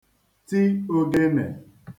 ti ogenè